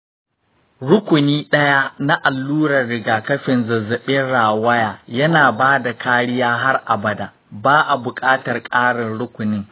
rukuni ɗaya na allurar rigakafin zazzabin rawaya yana ba da kariya har abada. ba a buƙatar ƙarin rukuni.